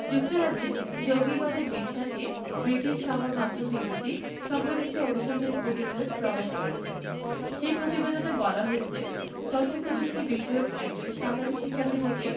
যুক্তরাজ্যে জঙ্গিবাদের বিস্তার নিয়ে ব্রিটিশ সংবাদমাধ্যম বিবিসি সম্প্রতি একটি অনুসন্ধানী প্রতিবেদন প্রকাশ করেছে সেই প্রতিবেদনে বলা হয়েছে তথ্যপ্রযুক্তি বিষয়ের একজন সাধারণ শিক্ষার্থী থেকে